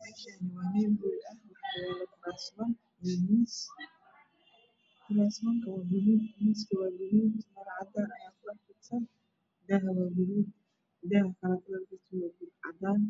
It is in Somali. Meeshaan waa meel hool ah waxaa yaalo kuraasman iyo miisas. Kuraasman waa buluug miiska waa buluug maro cadaan ah ayaa kudhex jirto. Daaha waa gaduud. Daaha kalana waa cadaan. Jiif cadaan